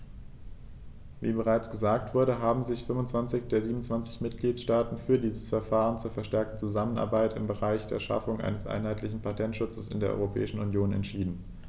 Wie bereits gesagt wurde, haben sich 25 der 27 Mitgliedstaaten für dieses Verfahren zur verstärkten Zusammenarbeit im Bereich der Schaffung eines einheitlichen Patentschutzes in der Europäischen Union entschieden.